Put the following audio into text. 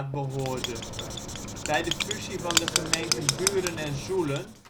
behoorde; bij de fusie van de gemeenten Buren en Zoelen